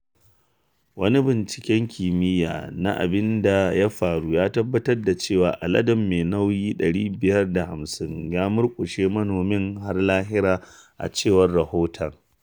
Wani binciken kimiyya na abin da ya faru ya tabbatar da cewa aladen mai nauyi 550 ya murƙushe manomin har lahira, a cewar rahoton.